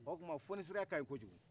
o tuma fonisireya ka ɲi kojugu